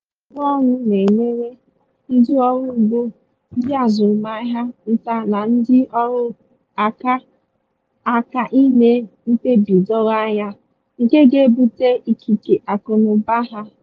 Ọ bụrụla ngwaọrụ na-enyere, ndị ọrụugbo, ndị azụmahịa nta na ndị ọrụaka aka ime mkpebi doro anya, nke ga-ebute ikike akụnaụba ha.